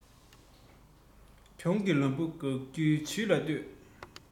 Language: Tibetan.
ཁེ ཡི སྒོ མོ དབྱེ རྒྱུའི ཐབས ལ ལྟོས